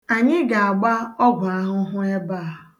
Anyị ga-agba ọgwụahụhụ ebe a.